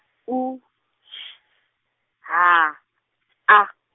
U S H A.